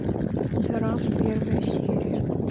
дорама первая серия